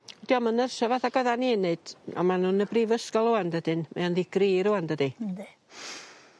'Di o'm yn nyrsio fath ag odda ni'n neud a ma' nw'n y brifysgol ŵan dydyn mae o'n ddigree rŵan dydi? Yndi.